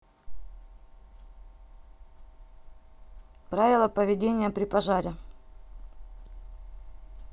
правила поведения при пожаре